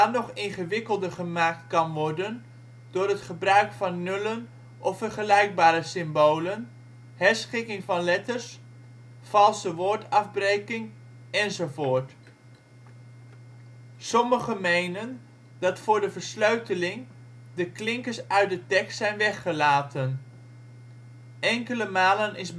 nog ingewikkelder gemaakt kan worden door het gebruik van nullen of vergelijkbare symbolen, herschikking van letters, valse woordafbreking enzovoorts. Sommigen menen dat voor de versleuteling de klinkers uit de tekst zijn weggelaten. Enkele malen is